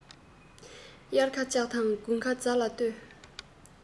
དབྱར ཁ ལྕགས དང དགུན ཁ རྫ ལ ལྟོས